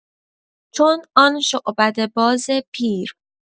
چون آن شعبده‌باز پیر